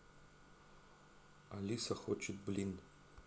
алиса хочет блин